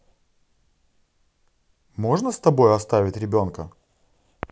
можно с тобой оставить ребенка